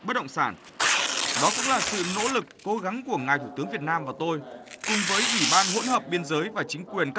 bất động sản đó cũng là sự nỗ lực cố gắng của ngài thủ tướng việt nam và tôi cùng với ủy ban hỗn hợp biên giới và chính quyền